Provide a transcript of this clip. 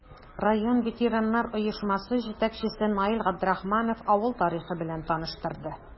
Район ветераннар оешмасы җитәкчесе Наил Габдрахманов авыл тарихы белән таныштырды.